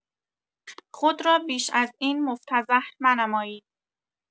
خود را بیش این مفتضح منمایید